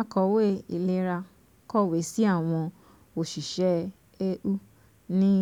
Àkọ̀wé Ìlera kọ̀wé sí àwọn òṣìṣẹ́ EU ní